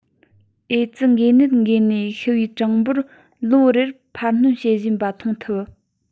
ཨེ ཙི འགོས ནད འགོས ནས ཤི བའི གྲངས འབོར ལོ རེར འཕར སྣོན བྱེད བཞིན པ མཐོང ཐུབ